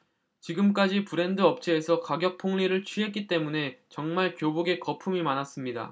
지금까지 브랜드 업체에서 가격폭리를 취했기 때문에 정말 교복에 거품이 많았습니다